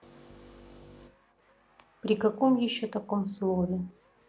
при каком еще таком слове